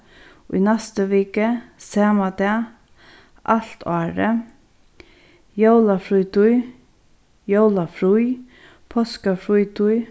í næstu viku sama dag alt árið jólafrítíð jólafrí páskafrítíð